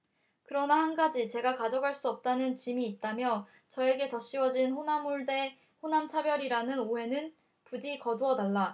그러나 한 가지 제가 가져갈 수 없는 짐이 있다며 저에게 덧씌워진 호남홀대 호남차별이라는 오해는 부디 거두어 달라